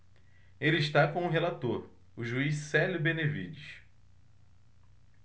ele está com o relator o juiz célio benevides